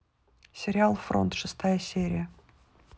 сериал фронт шестая серия